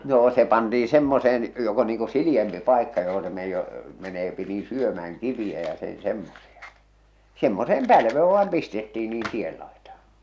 noo se pantiin semmoiseen joka on niin kuin sileämpi paikka johon se - menee niin syömään kiviä ja sen semmoisia semmoiseen pälveen vain pistettiin niin tien laitaan